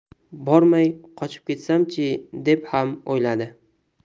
bormay qochib ketsam chi deb xam o'yladi